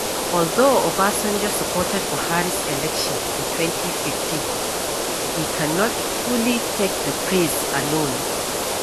Although Obasanjo supported Buhari’s election in 2015, he cannot fully take the praise alone.